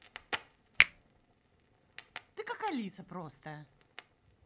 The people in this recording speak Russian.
ты как алиса просто